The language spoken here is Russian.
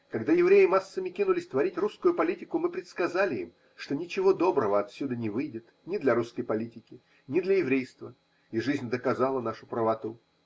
Когда евреи массами кинулись творить русскую политику, мы предсказали им, что ничего доброго от сюда не выйдет ни для русской политики, ни для еврейства, и жизнь доказала нашу правоту.